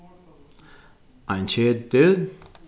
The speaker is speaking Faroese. ein ketil